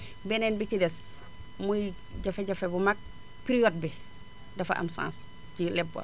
beneen bi ci des muy jafe-jafe bu mag période bi dafa am sens ci leb ba